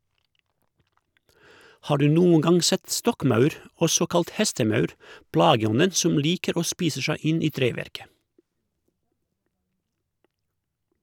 Har du noen gang sett stokkmaur, også kalt hestemaur, plageånden som liker å spise seg inn i treverket?